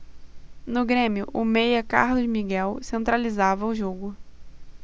no grêmio o meia carlos miguel centralizava o jogo